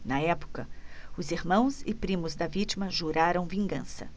na época os irmãos e primos da vítima juraram vingança